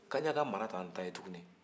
kaɲaka mara t'an ta ye tugu